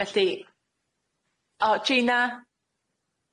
Felly. O Gina?